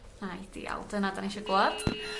Aidial dyna 'dan ni isio glwad.